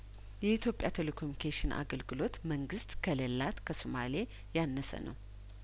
የኢትዮጵያ ቴሌኮሙኒኬሽን አገልግሎት መንግስት ከሌላት ከሶማሌ ያነሰ ነው